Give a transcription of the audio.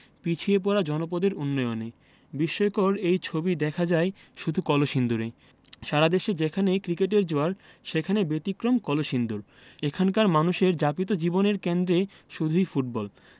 পিছিয়ে পড়া জনপদের উন্নয়নে বিস্ময়কর এই ছবি দেখা যায় শুধু কলসিন্দুরে সারা দেশে যেখানে ক্রিকেটের জোয়ার সেখানে ব্যতিক্রম কলসিন্দুর এখানকার মানুষের যাপিত জীবনের কেন্দ্রে শুধুই ফুটবল